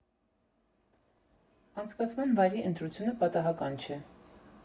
Անցկացման վայրի ընտրությունը պատահական չէ.